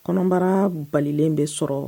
Kɔnɔbara balilen bɛ sɔrɔ!